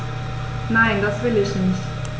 Nein, das will ich nicht.